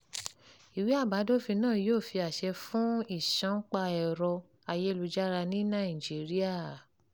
Ìwé àbádòfin náà yóò fi àṣẹ fún ìṣánpa ẹ̀rọ ayélujára ní Nàìjíríàj